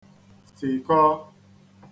tikọ